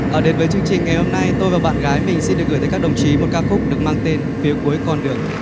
ờ đến với chương trình ngày hôm nay tôi và bạn gái mình xin được gửi tới các đồng chí một ca khúc được mang tên phía cuối con đường